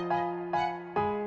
thấy